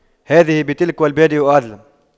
هذه بتلك والبادئ أظلم